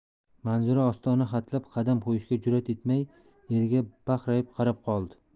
manzura ostona xatlab qadam qo'yishga jur'at etmay eriga baqrayib qarab qoldi